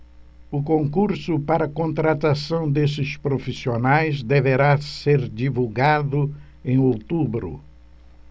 o concurso para contratação desses profissionais deverá ser divulgado em outubro